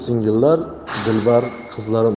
singillar dilbar qizlarim